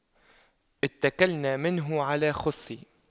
اتَّكَلْنا منه على خُصٍّ